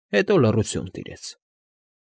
Հետո լռություն տիրեց։